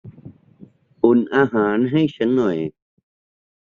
อุ่นอาหารให้ฉันหน่อย